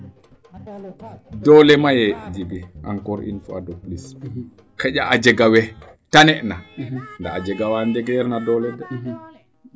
doole maye Djiby encore une fois de plus xaƴa a jega we tane na ndaa a njega waa njegeer na doole de